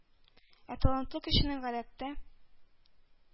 Ә талантлы кешенең, гадәттә,